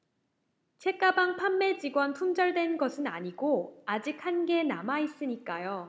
책가방 판매 직원 품절된 것은 아니고 아직 한개 남아있으니까요